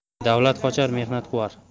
davlat qochar mehnat quvar